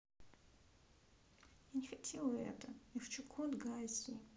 я не хотела это я хочу кот гаси